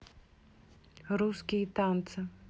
русские танцы